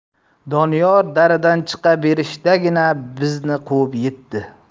doniyor daradan chiqa berishdagina bizni quvib yetdi